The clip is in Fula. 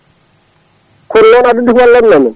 koori wona * wallanno men